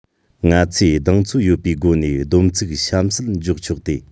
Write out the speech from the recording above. ང ཚོས གདེང ཚོད ཡོད པའི སྒོ ནས བསྡོམས ཚིག གཤམ གསལ འཇོག ཆོག སྟེ